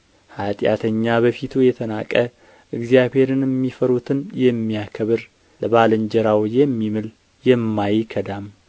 ኃጢአተኛ በፊቱ የተናቀ እግዚአብሔርንም የሚፈሩትን የሚያከብር ለባልንጀራው የሚምል የማይከዳም